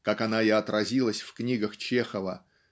как она и отразилась в книгах Чехова